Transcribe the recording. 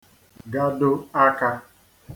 gado akā